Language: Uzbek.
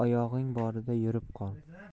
oyog'ing borida yurib qol